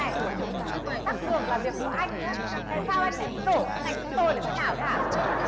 này tắc đường là việc của anh nhá tại sao anh lại cứ đổ sang ngành chúng tôi là thế nào đấy hả